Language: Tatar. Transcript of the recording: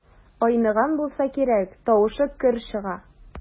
Айныган булса кирәк, тавышы көр чыга.